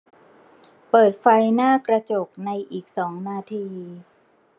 เปิดไฟหน้ากระจกในอีกสองนาที